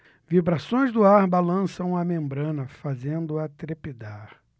vibrações do ar balançam a membrana fazendo-a trepidar